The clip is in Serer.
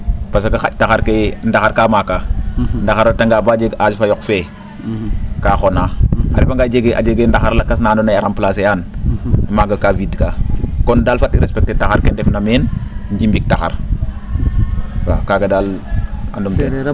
parce que xa? taxar ke ndaxar kaa maaka ndaxar a retangaa baa jeg age fa yoq fee kaa xonaa a refangaa yee jegee ndaxar lakas na andoona yee a remplacer aan maaga kaa vide kaa kon daal fat i respcter taxar ke ndefna meen njimbik taxar waaw kaaga daal